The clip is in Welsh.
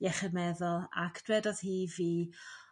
iechyd meddwl ac dywedodd hi i fi